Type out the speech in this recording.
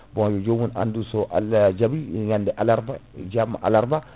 bon jomum yo andu so Allah jaaɓi ñade alarba jamma alarba